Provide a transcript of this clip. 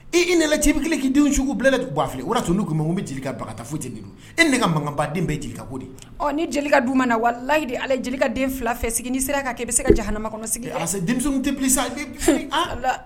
I i ne ci bɛ kelen k'i denw su bila bɛ tun bu afi o tun' kun ma n bɛ jelikɛ kabaga foyi ten e ne ka mankanden bɛ di ka ko di ni jeli ka du ma na wala layi di ala jeli ka den fila fɛ sigi n'i sera ka kɛ i bɛ se ka jan hama kɔnɔ sigi ara tɛ sa